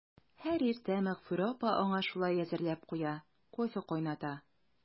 Һәр иртә Мәгъфүрә апа аңа шулай әзерләп куя, кофе кайната.